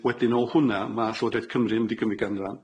Wedyn o hwnna ma' Llywodraeth Cymru yn mynd i gymryd ganran.